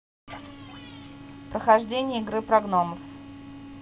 прохождение игры про гномов